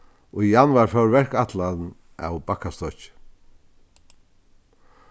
í januar fór verkætlanin av bakkastokki